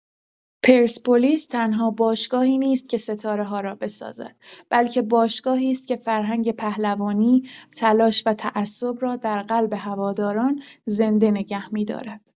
پرسپولیس تنها باشگاهی نیست که ستاره‌ها را بسازد، بلکه باشگاهی است که فرهنگ پهلوانی، تلاش و تعصب را در قلب هواداران زنده نگه می‌دارد.